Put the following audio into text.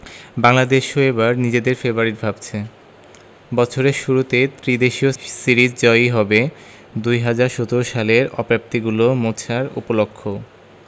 বাংলাদেশও এবার নিজেদের ফেবারিট ভাবছে বছরের শুরুতে ত্রিদেশীয় সিরিজ জয়ই হবে ২০১৭ সালের অপ্রাপ্তিগুলো মোছার উপলক্ষও